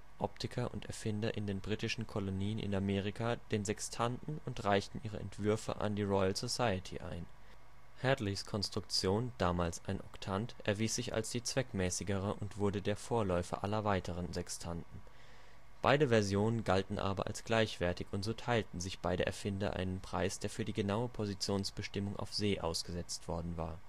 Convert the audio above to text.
Erfinder in den britischen Kolonien in Amerika, den Sextanten und reichten ihre Entwürfe an die Royal Society ein. Hadleys Konstruktion, damals ein Oktant, erwies sich als die zweckmäßigere und wurde der Vorläufer aller weiteren Sextanten. Beide Versionen galten aber als gleichwertig und so teilten sich beide Erfinder einen Preis, der für die genaue Positionsbestimmung auf See ausgesetzt worden war